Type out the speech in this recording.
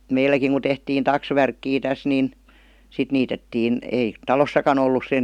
meilläkin kun tehtiin taksvärkkiä tässä niin sitten niitettiin ei talossakaan ollut sen